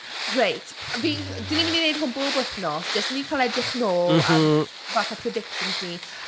Reit, fi... dan ni’n mynd i wneud hwn bob wythnos, jyst i ni cael edrych nôl... m-hm ...ar fatha predictions ni.